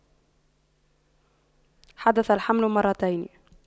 حدث الحمل مرتين